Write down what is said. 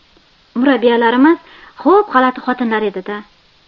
murabbiyalarimiz xo'p g'alati xotinlar edi da